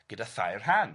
gyda thair rhan.